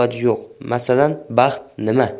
iloji yo'q masalan baxt nima